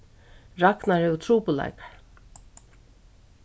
ragnar hevur trupulleikar